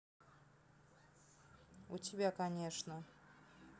я у тебя конечно